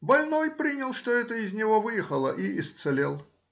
больной принял, что это из него выехало, и исцелел.